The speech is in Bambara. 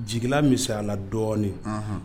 Jigila misa a la dɔɔnin